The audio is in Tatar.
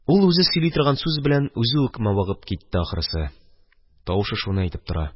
Ул үзе сөйли торган сүз белән үзе үк мавыгып китте, ахрысы, тавышы шуны әйтеп тора: